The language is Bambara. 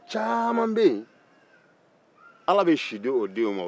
caman bɛ ye ala bɛ si di o den o lu ma